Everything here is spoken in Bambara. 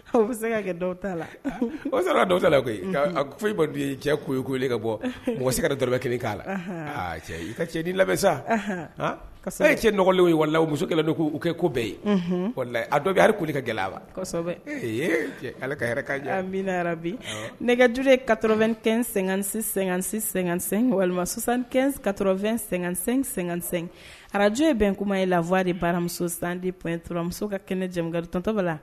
Aw bɛ se ka kɛ dɔw t ta la o sɔrɔ dɔw ta la koyi foyi ye cɛ ko koli ka bɔ mɔgɔ se ka dɔbɛ kelen k'a la cɛ i ka cɛ di labɛn sa ka sa ye cɛ nɔgɔlen ye wala u muso don k'u kɛ ko bɛɛ ye a dɔ bɛ arili ka gɛlɛ wasɔ ala ka kaminayara bi nɛgɛurue kaoro2ɛn--sɛ-sɛsɛ walimasan kafɛn--sɛ---sɛ arajo ye bɛn kuma ye la fwaa de baramusosandipmuso ka kɛnɛ jamana tɔnto la